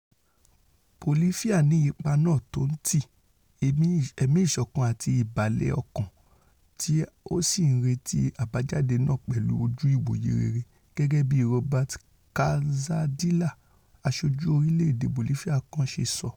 Bolifia ni ipá náà tó ńti, ẹ̀mí ìṣọ̀kan àti ìbàlẹ̀-ọkàn, tí ó sì ńretí àbájáde náà pẹ̀lú ojú-ìwòye rere,'' gẹgẹ bíi Roberto Calzadilla, aṣojú orílẹ̀-èdè Bolifia kan ṣe sọ.